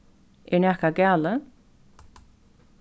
er nakað galið